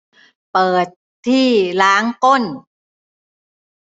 เปิดที่ล้างก้น